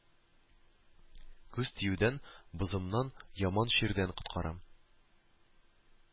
Күз тиюдән, бозымнан, яман чирдән коткарам